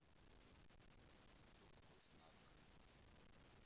кто такой снарк